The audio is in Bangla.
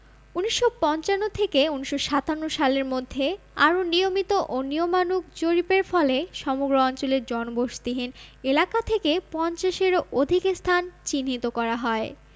১৯৫৫ থেকে ১৯৫৭ সালের মধ্যে আরও নিয়মিত ও নিয়মানুগ জরিপের ফলে সমগ্র অঞ্চলের জনবসতিহীন এলাকা থেকে পঞ্চাশেরও অধিক স্থান চিহ্নিত করা হয়